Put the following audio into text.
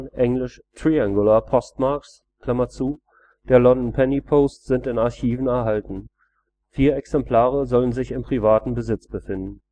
englisch triangular postmarks) der London Penny Post sind in Archiven erhalten, vier Exemplare sollen sich in privatem Besitz befinden